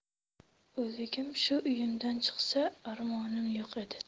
o'ligim shu uyimdan chiqsa armonim yo'q edi